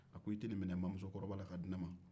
a ko i tɛ nin minɛ ma muso kɔɔba la k'a di ne ma